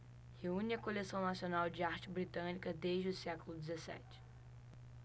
reúne a coleção nacional de arte britânica desde o século dezessete